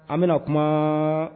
An bena kumaa